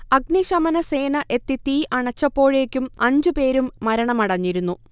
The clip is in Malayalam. അഗ്നിശമന സേന എത്തി തീ അണച്ചപ്പോഴേക്കും അഞ്ചു പേരും മരണമടഞ്ഞിരുന്നു